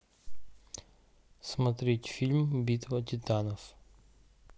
смотреть фильм битва титанов